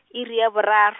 iri ya borar-.